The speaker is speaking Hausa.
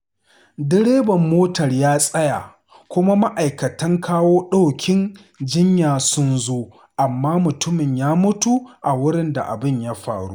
Direban motar ya tsaya kuma ma’aikatan kawo ɗaukin jinya sun zo, amma mutumin ya mutu a wurin da abin ya faru.